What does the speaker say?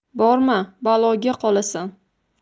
borma baloga qolasan